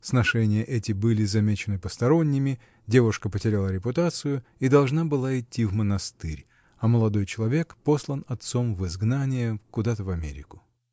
Сношения эти были замечены посторонними, девушка потеряла репутацию и должна была идти в монастырь, а молодой человек послан отцом в изгнание, куда-то в Америку.